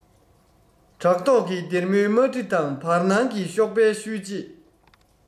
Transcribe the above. བྲག ཐོག གི སྡེར མོའི དམར དྲི དང བར སྣང གི གཤོག པའི ཤུལ རྗེས